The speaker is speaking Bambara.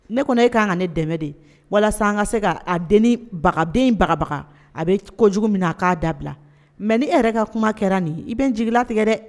Ne kɔni e ka kan ka ne dɛmɛ de walasa sisan ka se k ka denbagadenbagabaga a bɛ jugu min a k'a dabila mɛ e yɛrɛ ka kuma kɛra nin i bɛ jiginlatigɛ dɛ